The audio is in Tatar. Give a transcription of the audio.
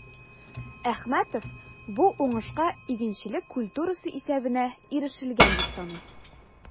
Әхмәтов бу уңышка игенчелек культурасы исәбенә ирешелгән дип саный.